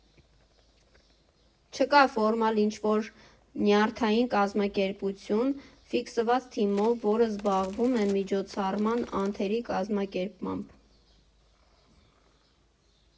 Չկա ֆորմալ ինչ֊որ նյարդային կազմակերպություն ֆիքսված թիմով, որը զբաղվում է միջոցառման անթերի կազմակերպմամբ։